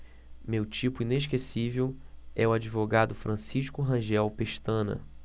meu tipo inesquecível é o advogado francisco rangel pestana